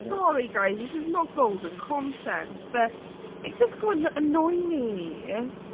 Sorry guys this is not golden content but it's just going to annoy me.